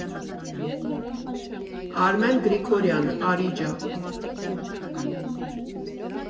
Արմեն Գրիգորյան, «Արիջա»